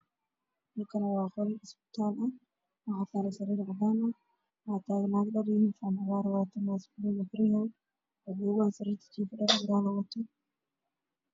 Halkan waa istibaal waxaa taalo